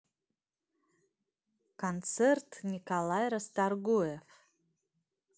концерт николай расторгуев